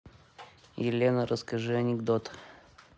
елена расскажи анекдот